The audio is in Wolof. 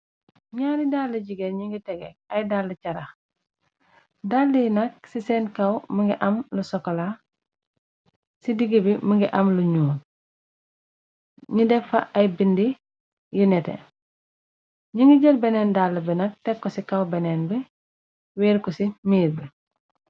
Nyaari dalla jigeen ñi ngi tegee ay dall carax dall yi nak ci seen kaw mëngi am lu sokola ci diggi bi mëngi am lu ñoon ñi defa ay bindi yu nete ñi ngi jël beneen dàll bi nak tekko ci kaw beneen bi weerku ci miir bi.